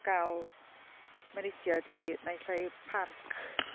Gael mynediad i naill ai parc